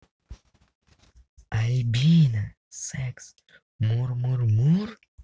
альбина секс мур мур мур